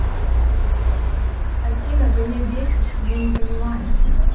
афина ты меня бесишь меня не понимаешь